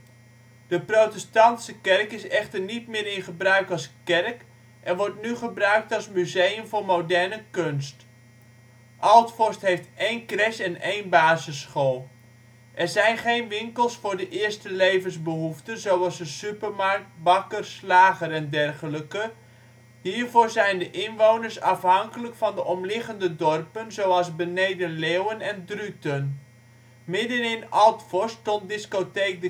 protestantse kerk is echter niet meer in gebruik als kerk en wordt nu gebruikt als museum voor moderne kunst. Altforst heeft 1 crèche en 1 basisschool. Er zijn geen winkels voor de eerste levensbehoeften zoals een supermarkt, bakker, slager en dergelijke. Hiervoor zijn de inwoners afhankelijk van de omliggende dorpen zoals Beneden Leeuwen en Druten. Midden in Altforst stond discotheek